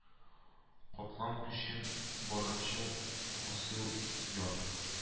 Катлан көчең барынча, хасыйл ит йар